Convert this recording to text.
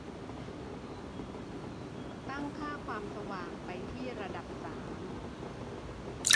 ตั้งค่าความสว่างไปที่ระดับสาม